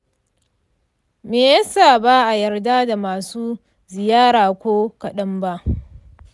me ya sa ba a yarda da masu ziyara ko kaɗan ba?